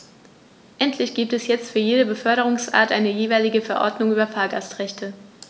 Endlich gibt es jetzt für jede Beförderungsart eine jeweilige Verordnung über Fahrgastrechte.